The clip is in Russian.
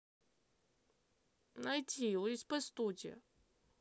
найди осп студия